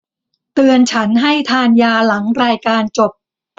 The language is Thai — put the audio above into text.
เตือนฉันให้ทานยาหลังรายการจบ